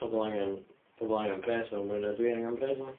Pobol angen, pobol angen pres, me'wl mwy na dwi angen pres yndyfe?